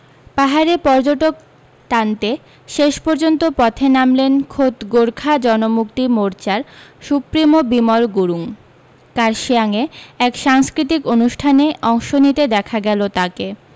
পাহাড়ে পর্যটক টানতে শেষ পর্যন্ত পথে নামলেন খোদ গোর্খা জনমুক্তি মোর্চার সুপ্রিমো বিমল গুরুং কার্শিয়াংয়ে এক সাংস্কৃতিক অনুষ্ঠানে অংশ নিতে দেখা গেল তাঁকে